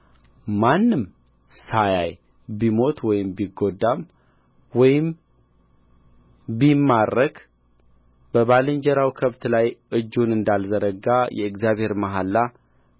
ማንም ሳያይ ቢሞት ወይም ቢጎዳ ወይም ቢማረክ በባልንጀራው ከብት ላይ እጁን እንዳልዘረጋ የእግዚአብሔር መሐላ